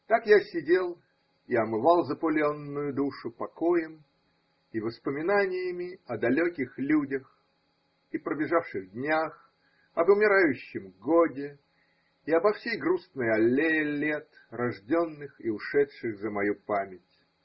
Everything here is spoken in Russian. Так я сидел и омывал запыленную душу покоем и воспоминаниями о далеких людях и пробежавших днях, об умирающем годе и обо всей грустной аллее лет, рожденных и ушедших за мою память.